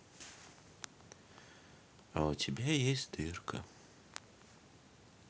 а у тебя есть дырка